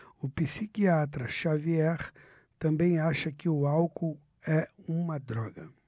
o psiquiatra dartiu xavier também acha que o álcool é uma droga